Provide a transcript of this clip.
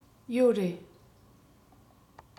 ཡོད རེད